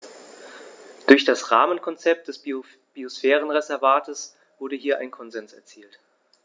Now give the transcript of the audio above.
Durch das Rahmenkonzept des Biosphärenreservates wurde hier ein Konsens erzielt.